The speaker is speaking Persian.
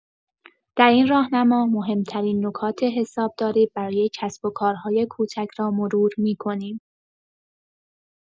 در این راهنما، مهم‌ترین نکات حسابداری برای کسب‌وکارهای کوچک را مرور می‌کنیم؛